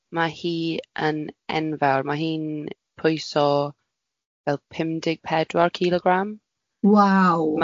A ma' hi yn enfawr. Ma' hi'n pwyso fel pumdeg pedwar kilogram. Waw.